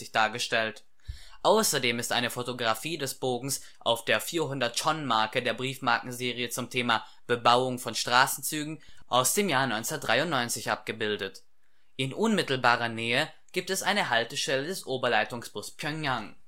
dargestellt. Außerdem ist eine Fotografie des Bogens auf der 40-Chon-Marke der Briefmarkenserie zum Thema Bebauung von Straßenzügen aus dem Jahr 1993 abgebildet. In unmittelbarer Nähe gibt es eine Haltestelle des Oberleitungsbus Pjöngjang